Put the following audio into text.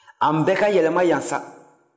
an bɛka yɛlɛma yan sa